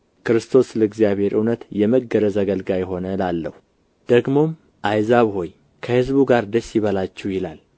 ክርስቶስ ስለ እግዚአብሔር እውነት የመገረዝ አገልጋይ ሆነ እላለሁ ደግሞም አሕዛብ ሆይ ከሕዝቡ ጋር ደስ ይበላችሁ ይላል